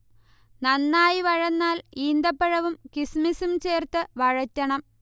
നന്നായി വഴന്നാൽ ഈന്തപ്പഴവും കിസ്മിസും ചേർത്തു വഴറ്റണം